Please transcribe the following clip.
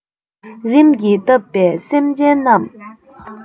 རིམས ཀྱིས བཏབ པའི སེམས ཅན རྣམས